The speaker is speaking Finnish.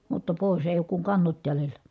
mutta pois ei ole kuin kannot jäljellä